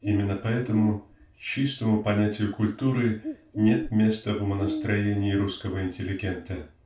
Именно этому чистому понятию культуры нет места в умонастроении русского интеллигента